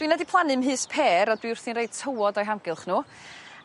Dwi inna 'di plannu'm mhys pêr a dwi wrthi'n roi tywod o'u hamgylch n'w